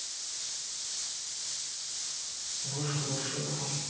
вышла ошибка